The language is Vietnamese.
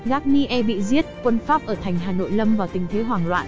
garnier bị giết quân pháp ở thành hà nội lâm vào tình thế hoảng loạn